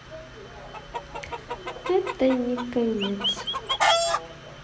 это не конец